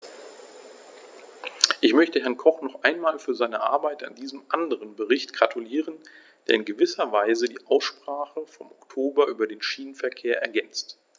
Ich möchte Herrn Koch noch einmal für seine Arbeit an diesem anderen Bericht gratulieren, der in gewisser Weise die Aussprache vom Oktober über den Schienenverkehr ergänzt.